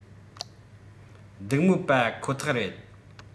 སྡུག མོ པ ཁོ ཐག རེད